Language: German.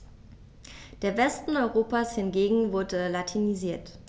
Der Westen Europas hingegen wurde latinisiert.